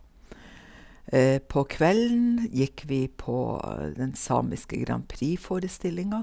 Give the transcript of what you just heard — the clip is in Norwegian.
På kvelden gikk vi på den samiske Grand Prix-forestillinga.